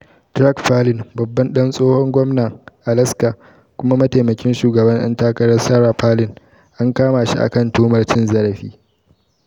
Track Palin, babban dan tsohon gwanan Alaska kuma mataimakin shugaban dan takara Sarah Palin, an kama shi kan tuhumar cin zarafi.